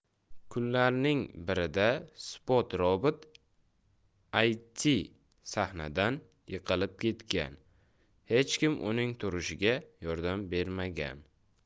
kunlarning birida spot robot iti sahnadan yiqilib ketgan hech kim uning turishiga yordam bermagan